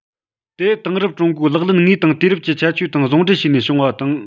དེ དེང རབས ཀྲུང གོའི ལག ལེན དངོས དང དུས རབས ཀྱི ཁྱད ཆོས དང ཟུང འབྲེལ བྱས ནས བྱུང བ དང